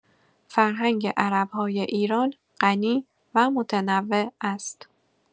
فرهنگ عرب‌های ایران غنی و متنوع است.